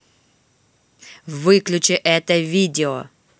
выключи это видео